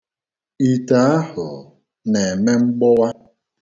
Ite ahụ na-eme mgbọwa.